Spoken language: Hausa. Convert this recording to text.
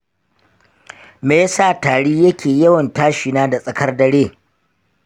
me yasa tari yake yawan tashina da tsakar dare?